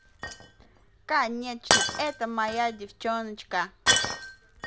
конечно это моя девчоночка